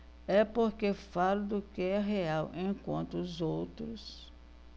é porque falo do que é real enquanto os outros